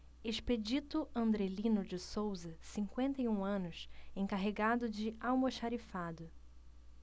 expedito andrelino de souza cinquenta e um anos encarregado de almoxarifado